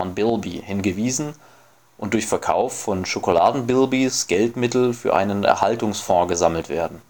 Bilby “) hingewiesen und durch Verkauf von Schokoladenbilbies Geldmittel für einen Erhaltungsfonds gesammelt werden